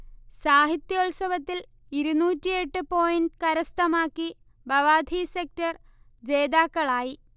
സാഹിത്യോല്സവിൽ ഇരുന്നൂറ്റിയെട്ട് പോയിന്റ് കരസ്ഥമാക്കി ബവാധി സെക്ടർ ജേതാക്കളായി